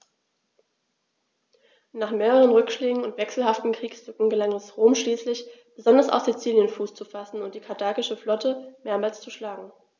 Nach mehreren Rückschlägen und wechselhaftem Kriegsglück gelang es Rom schließlich, besonders auf Sizilien Fuß zu fassen und die karthagische Flotte mehrmals zu schlagen.